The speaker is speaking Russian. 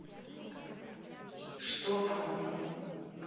что понял